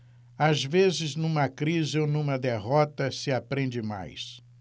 às vezes numa crise ou numa derrota se aprende mais